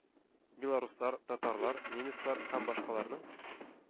Белоруслар, татарлар, немецлар һәм башкаларның